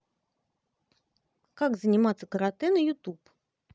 как заниматься карате на ютуб